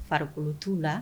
Farikolo t'u la